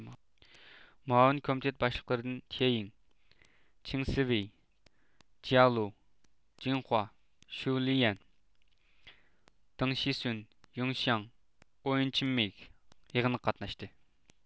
مۇئاۋىن كومىتېت باشلىقلىرىدىن تيېيىڭ چېڭسىۋېي جيالۇ جېڭخۇا شيۇليەن دىڭ شىسۈن يوڭشياڭ ئويۇنچېمىگ يىغىنغا قاتناشتى